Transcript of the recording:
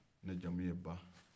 ne jamu ye ba